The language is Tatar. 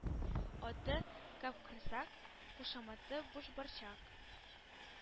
Аты — Капкорсак, кушаматы Бушборчак